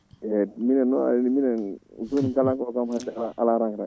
eyyi minen noon andi minen joni * ala rang rang